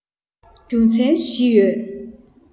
རྒྱུ མཚན བཞི ཡོད